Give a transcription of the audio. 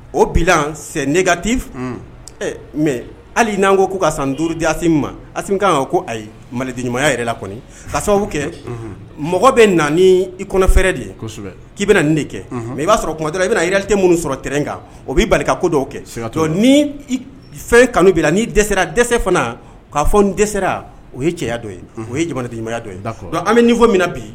O neti mɛ hali n'an ko' ka san duurusi ma kan ko ayi maliden ɲumanya yɛrɛ la ka sababu kɛ mɔgɔ bɛ nan i kɔnɔ fɛrɛɛrɛ de ye k'i bɛna nin de kɛ mɛ i b'a sɔrɔtɔ i bɛna i yɛrɛre minnu sɔrɔ tɛ kan o b' bali ko dɔw kɛ ni fɛn kanu bila n' dɛsɛra dɛsɛse fana k'a fɔ n dɛsɛ o ye cɛya dɔ ye o ye jamanadenya ye an bɛ nin fɔ min na bi